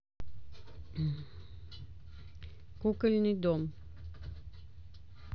кукольный дом